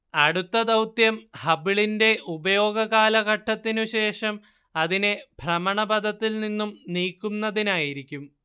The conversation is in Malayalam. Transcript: അടുത്ത ദൗത്യം ഹബിളിന്റെ ഉപയോഗ കാലഘട്ടത്തിനു ശേഷം അതിനെ ഭ്രമണപഥത്തിൽ നിന്നും നീക്കുന്നതിനായിരിക്കും